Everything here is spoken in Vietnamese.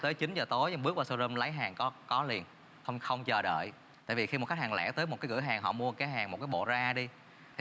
tới chín giờ tối nhưng bước vào sâu rum lấy hàng có có liền không không chờ đợi tại vì khi một khách hàng lẻ tới một cái cửa hàng họ mua cái hàng một cái bộ ra a đi